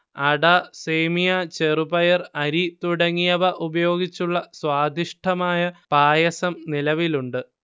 അട സേമിയ ചെറുപയർ അരി തുടങ്ങിയവ ഉപയോഗിച്ചുള്ള സ്വാദിഷ്ഠമായ പായസം നിലവിലുണ്ട്